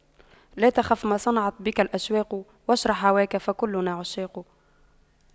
لا تخف ما صنعت بك الأشواق واشرح هواك فكلنا عشاق